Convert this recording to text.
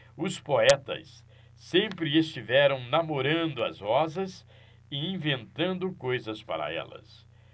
os poetas sempre estiveram namorando as rosas e inventando coisas para elas